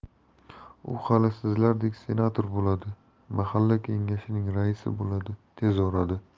u hali sizlardek senator bo'ladi mahalla kengashining raisi bo'ladi tez orada